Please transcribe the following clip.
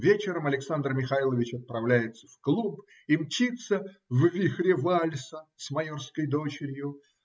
вечером Александр Михайлович отправляется в клуб и мчится "в вихре вальса" с майорской дочерью.